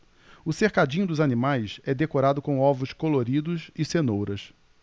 o cercadinho dos animais é decorado com ovos coloridos e cenouras